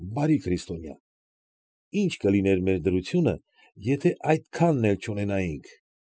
Բարի քրիստոնյա, ի՞նչ կլիներ մեր դրությունը, եթե այդքանն էլ չունենայինք։